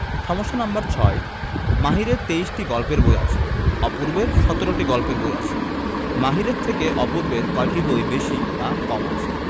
সমস্যা নাম্বার ৬ মাহিরের ২৩টি গল্পের বই আছে অপূর্বের ১৭টি গল্পের বই আছে মাহিরের থেকে অপূর্বের কয়টি বই বেশি বা কম আছে